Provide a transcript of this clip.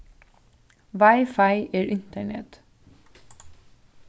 wifi er internet